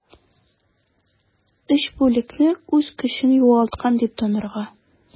3 бүлекне үз көчен югалткан дип танырга.